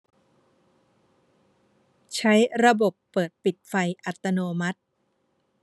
ใช้ระบบเปิดปิดไฟอัตโนมัติ